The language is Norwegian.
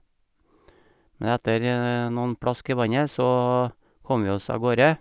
Men etter noen plask i vannet så kom vi oss av gårde.